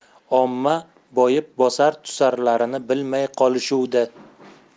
omma boyib bosar tusarlarini bilmay qolishuvdi